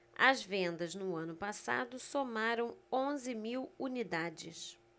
as vendas no ano passado somaram onze mil unidades